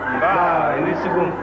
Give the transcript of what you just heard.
nba i ni sugu